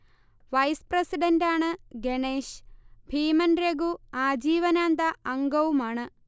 vice പ്രസിഡന്റാണ് ഗണേശ്, ഭീമൻരഘു ആജീവനാന്ത അംഗവുമാണ്